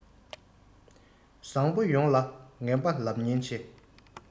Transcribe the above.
བཟང པོ ཡོངས ལ ངན པ ལབ ཉེན ཆེ